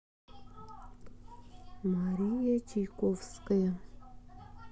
мария чайковская